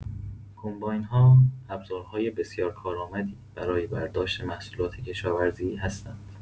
کمباین‌ها ابزارهای بسیار کارآمدی برای برداشت محصولات کشاورزی هستند.